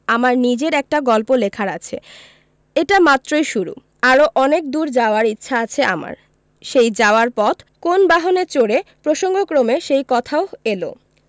আমার নিজের একটা গল্প লেখার আছে এটা মাত্রই শুরু আরও অনেক দূর যাওয়ার ইচ্ছা আছে আমার সেই যাওয়ার পথ কোন বাহনে চড়ে প্রসঙ্গক্রমে সে কথাও এল